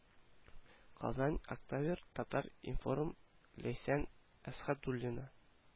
-- казан октябрь татар-информ ләйсән әсхәдуллина